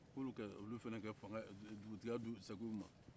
k'olu ka olu fana ka fanga dugutigiya ka segin u ma